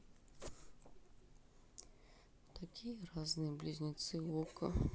такие разные близнецы okko